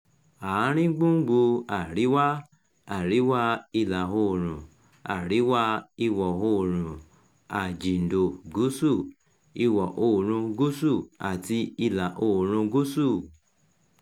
Àárín gbùngbùn Àríwá, Àríwá Ìlà-oòrùn, Àríwá Ìwọ̀-oòrùn, Àjìǹdò-gúúsù, Ìwọ̀-oòrùn gúúsù, àti Ìlà-oòrùnun gúúsù.